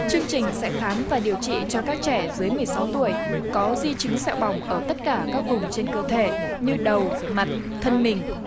chương trình sẽ khám và điều trị cho các trẻ dưới mười sáu tuổi có di chứng sẹo bỏng ở tất cả các vùng trên cơ thể như đầu mặt thân mình